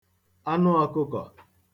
anụọ̄kụ̄kọ̀